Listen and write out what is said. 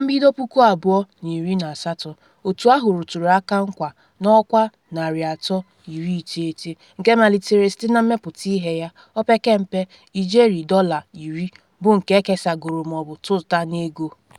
Na mbido 2018, otu ahụ rụtụrụ aka nkwa na ọkwa 390 nke malitere site na mmepụta ihe ya, opekempe ijeri $10 bụ nke ekesagoro ma ọ bụ tụta n’ego.